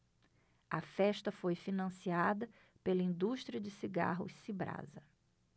a festa foi financiada pela indústria de cigarros cibrasa